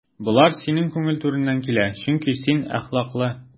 Болар синең күңел түреннән килә, чөнки син әхлаклы.